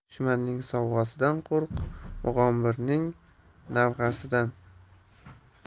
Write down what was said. dushmanning sovg'asidan qo'rq mug'ambirning navhasidan